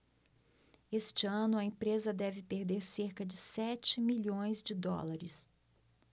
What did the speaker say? este ano a empresa deve perder cerca de sete milhões de dólares